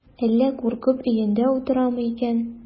Әллә куркып өендә утырамы икән?